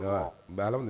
Ba ala